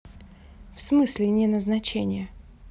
в смысле неназначение